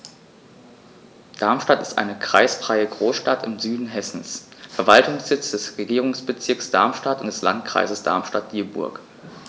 Darmstadt ist eine kreisfreie Großstadt im Süden Hessens, Verwaltungssitz des Regierungsbezirks Darmstadt und des Landkreises Darmstadt-Dieburg.